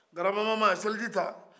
grabamama a ye selijita